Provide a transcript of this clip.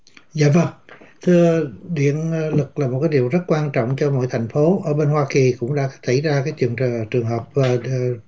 dạ vâng thưa điện lực là một cái điều rất quan trọng cho mọi thành phố ở bên hoa kỳ cũng đã xảy ra trường ra trường hợp